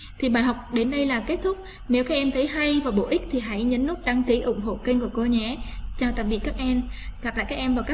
bài học đến đây là kết nhiều khi em thấy hay và bổ ích thì hãy nhấn nút đăng ký ủng hộ kênh của cô nhé chào tạm biệt các em gặp lại các em vào